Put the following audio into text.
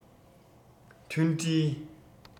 མཐུན སྒྲིལ